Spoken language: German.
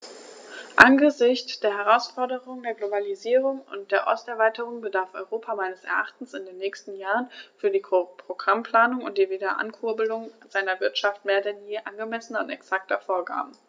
Angesichts der Herausforderung der Globalisierung und der Osterweiterung bedarf Europa meines Erachtens in den nächsten Jahren für die Programmplanung und die Wiederankurbelung seiner Wirtschaft mehr denn je angemessener und exakter Vorgaben.